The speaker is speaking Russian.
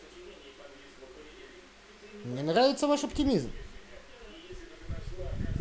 мне нравится ваш оптимизм